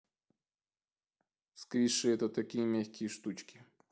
сквиши это такие мягкие штучки